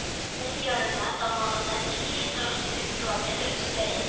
Уң ярына тамагыннан ике йөз кырык сигез километр өстәрәк